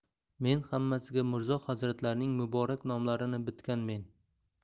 men hammasiga mirzo hazratlarining muborak nomlarini bitganmen